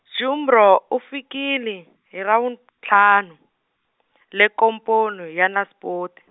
Jimbro u fikile, hi Ravuntlhanu, le komponi ya Naspoti.